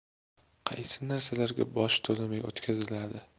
qaysi narsalarga boj to'lamay o'tkaziladi